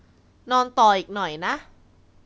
นอนต่ออีกหน่อยนะ